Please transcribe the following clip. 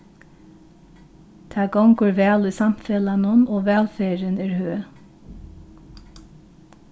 tað gongur væl í samfelagnum og vælferðin er høg